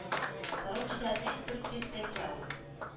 Сорочида нәкъ дүрт йөз тәңкә ул